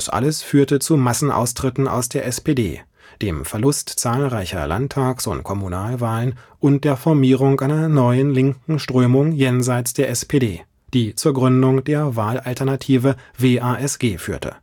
alles führte zu Massenaustritten aus der SPD, dem Verlust zahlreicher Landtags - und Kommunalwahlen und der Formierung einer neuen linken Strömung jenseits der SPD, die zur Gründung der Wahlalternative WASG führte